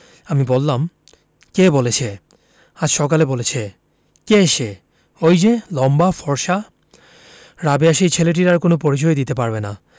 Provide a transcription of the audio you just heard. আমি বললাম কে বলেছে আজ সকালে বলেছে কে সে ঐ যে লম্বা ফর্সা রাবেয়া সেই ছেলেটির আর কোন পরিচয়ই দিতে পারবে না